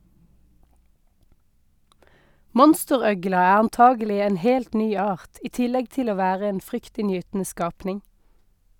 Monsterøgla er antagelig en helt ny art, i tillegg til å være en fryktinngytende skapning.